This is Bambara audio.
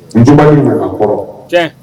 N nciba ɲininka kɔrɔ